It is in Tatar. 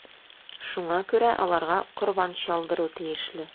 Шуңа күрә аларга корбан чалдыру тиешле.